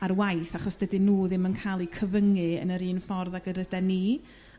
ar waith achos dydyn nhw ddim yn cael 'u cyfyngu yn yr un ffordd ag yr yden ni.